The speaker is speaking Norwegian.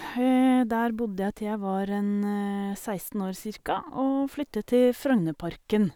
Der bodde jeg til jeg var en seksten år, cirka, og flyttet til Frognerparken.